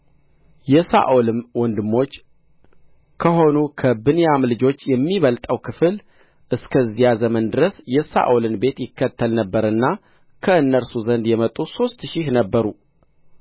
የሳኦልም ወንድሞች ከሆኑ ከብንያም ወንድሞች የሚበልጠው ክፍል እስከዚያ ዘመን ድረስ የሳኦልን ቤት ይከተል ነበርና ከእነርሱ ዘንድ የመጡ ሦስት ሺህ ነበሩ